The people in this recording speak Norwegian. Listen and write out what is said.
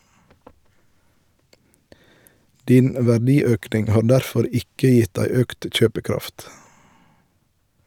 Din verdiøkning har derfor ikke gitt deg økt kjøpekraft.